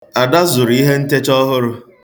Ada zụrụ ihentecha ọhụrụ.